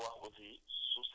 am na solo trop sax